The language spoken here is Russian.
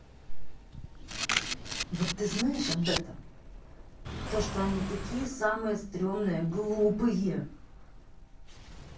вот ты знаешь об этом то что они такие самые стремные глупые